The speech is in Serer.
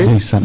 Ndeysaan